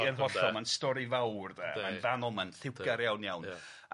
Ia'n hollol ma'n stori fawr de ma'n fanwl ma'n lliwgar iawn iawn. Ia.